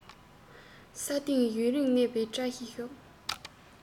ས སྟེང ཡུན རིང གནས པའི བཀྲ ཤིས ཤོག